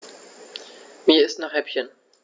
Mir ist nach Häppchen.